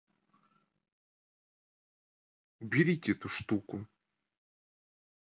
уберите эту штуку